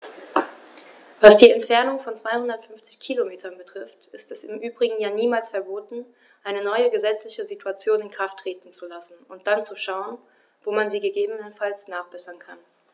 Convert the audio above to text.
Was die Entfernung von 250 Kilometern betrifft, ist es im Übrigen ja niemals verboten, eine neue gesetzliche Situation in Kraft treten zu lassen und dann zu schauen, wo man sie gegebenenfalls nachbessern kann.